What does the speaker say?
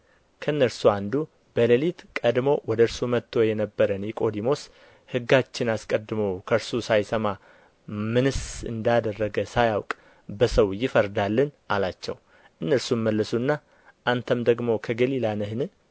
ከእነርሱ አንዱ በሌሊት ቀድሞ ወደ እርሱ መጥቶ የነበረ ኒቆዲሞስ ሕጋችን አስቀድሞ ከእርሱ ሳይሰማ ምንስ እንዳደረገ ሳያውቅ በሰው ይፈርዳልን አላቸው እነርሱም መለሱና አንተም ደግሞ ከገሊላ ነህን